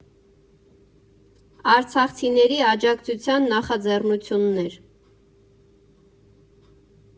Արցախցիների աջակցության նախաձեռնություններ։